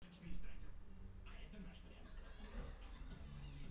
рот закрой свой